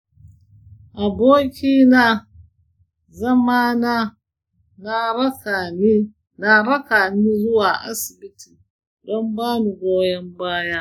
abokina zamana na raka ni zuwa asibiti don bani goyon baya.